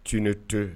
Tiɲɛ ni tɛ